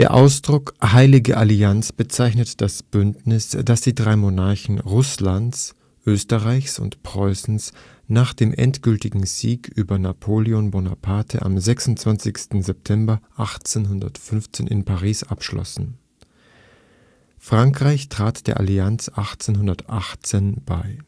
Ausdruck Heilige Allianz bezeichnet das Bündnis, das die drei Monarchen Russlands, Österreichs und Preußens nach dem endgültigen Sieg über Napoléon Bonaparte am 26. September 1815 in Paris abschlossen. Frankreich trat der Allianz 1818 bei